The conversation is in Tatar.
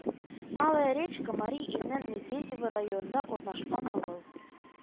Малая Речка Мари Илнең Медведево районында урнашкан авыл